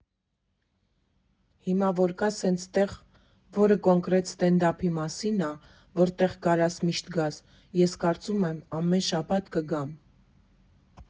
֊ Հիմա որ կա սենց տեղ, որը կոնկրետ ստենդափի մասին ա, որտեղ կարաս միշտ գաս, ես կարծում եմ ամեն շաբաթ կգամ։